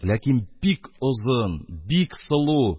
Ләкин бик озын, бик сылу,